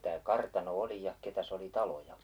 tämä kartano oli ja ketäs oli taloja